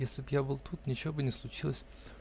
Если б я был тут, ничего бы не случилось.